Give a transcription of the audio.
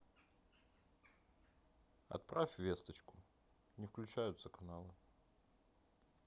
отправь весточку не включаются каналы